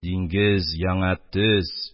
Диңгез яңа төс